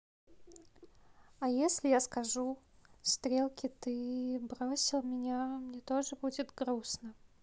а если я скажу стрелки ты бросил меня мне тоже будет грустно